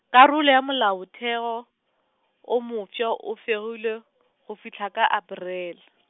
karolo ya molaotheo , wo mofsa o fegilwe, go fihla ka Aparele .